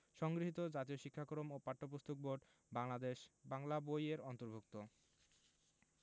সংগৃহীত জাতীয় শিক্ষাক্রম ও পাঠ্যপুস্তক বোর্ড বাংলাদেশ বাংলা বই এর অন্তর্ভুক্ত